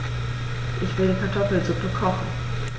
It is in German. Ich will Kartoffelsuppe kochen.